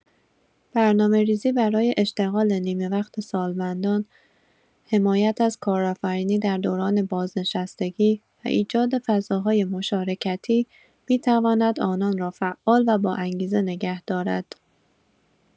برنامه‌ریزی برای اشتغال نیمه‌وقت سالمندان، حمایت از کارآفرینی در دوران بازنشستگی و ایجاد فضاهای مشارکتی می‌تواند آنان را فعال و باانگیزه نگه دارد.